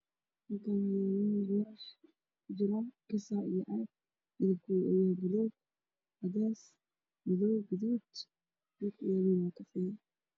Halkan waxaa la gesac iyo birar midabkoodu waxaa waaye buluug madow cadees iyo guduud